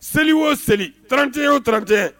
Seli y oo seli tti y'o ttite